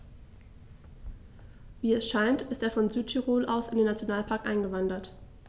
Wie es scheint, ist er von Südtirol aus in den Nationalpark eingewandert.